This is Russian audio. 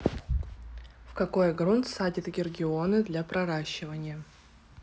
в какой грунт садит георгины для проращивания